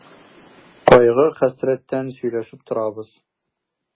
Кайгы-хәсрәттән сөйләшеп торабыз.